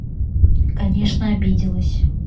конечно обиделась